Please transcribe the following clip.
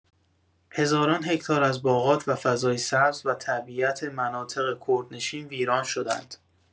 هزاران هکتار از باغات و فضای سبز و طبیعت مناطق کوردنشین ویران شدند.